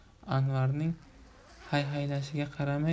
anvarning hayhaylashiga qaramay